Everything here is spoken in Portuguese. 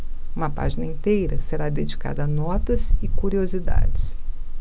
uma página inteira será dedicada a notas e curiosidades